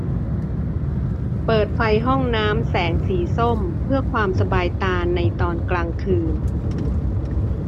เปิดไฟห้องน้ำแสงสีส้มเพื่อความสบายตาในตอนกลางคืน